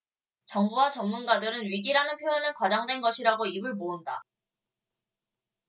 정부와 전문가들은 위기라는 표현은 과장된 것이라고 입을 모은다